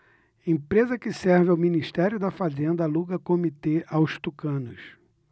empresa que serve ao ministério da fazenda aluga comitê aos tucanos